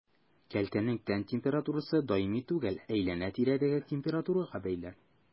Кәлтәнең тән температурасы даими түгел, әйләнә-тирәдәге температурага бәйле.